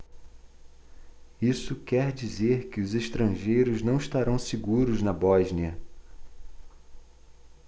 isso quer dizer que os estrangeiros não estarão seguros na bósnia